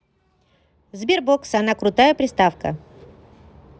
sberbox она крутая приставка